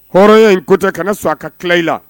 Hɔrɔn ye in kotɛ kana su a ka tilali la